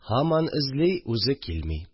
Һаман эзли... үзе килми